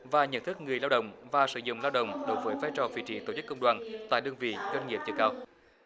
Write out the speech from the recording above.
và nhận thức người lao động và sử dụng lao động đối với vai trò vị trí tổ chức công đoàn tại đơn vị doanh nghiệp chưa cao